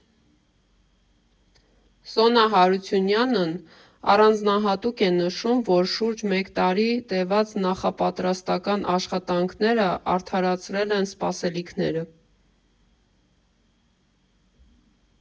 Սոնա Հարությունյանն առանձնահատուկ է նշում, որ շուրջ մեկ տարի տևած նախապատրաստական աշխատանքները արդարացրել են սպասելիքները.